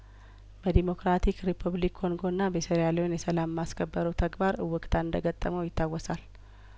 በዲሞክራቲክ ሪፐብሊክ ኮንጐና በሴራሊዮን የሰላም ማስከበሩ ተግባር እው ክታ እንደገጠመው ይታወሳል